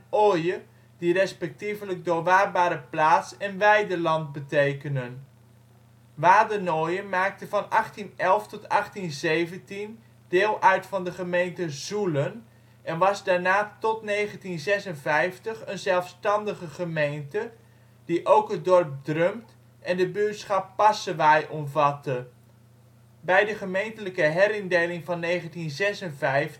woorden wada en oye, die respectievelijk doorwaadbare plaats en weideland betekenen. Wadenoijen maakte van 1811 tot 1817 deel uit van de gemeente Zoelen, en was daarna tot 1956 een zelfstandige gemeente die ook het dorp Drumpt en de buurtschap Passewaaij omvatte. Bij de gemeentelijke herindeling van 1956